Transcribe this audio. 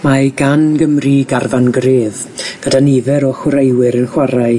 Mae gan Gymru garfan gref gyda nifer o chwaraewyr yn chwarae